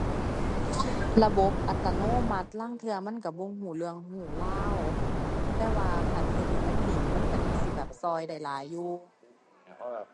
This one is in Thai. ระบบอัตโนมัติลางเทื่อมันก็บ่ก็เรื่องก็ราว แต่ว่าคันเฮ็ดให้มันดีมันก็น่าสิแบบก็ได้หลายอยู่